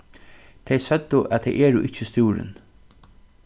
tey søgdu at tey eru ikki stúrin